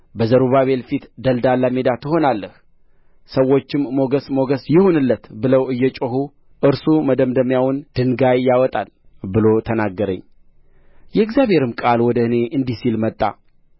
በዘሩባቤል ፊት ደልዳላ ሜዳ ትሆናለህ ሰዎችም ሞገስ ሞገስ ይሁንለት ብለው እየጮኹ እርሱ መደምደሚያውን ድንጋይ ያወጣል ብሎ ተናገረኝ የእግዚአብሔርም ቃል ወደ እኔ እንዲህ ሲል መጣ